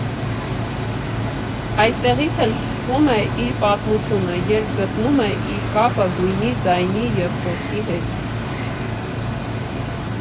Այստեղից էլ սկսվում է իր պատմությունը, երբ գտնում է իր կապը գույնի, ձայնի և խոսքի հետ.